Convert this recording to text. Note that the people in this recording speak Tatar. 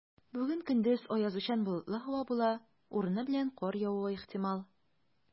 Бүген көндез аязучан болытлы һава була, урыны белән кар явуы ихтимал.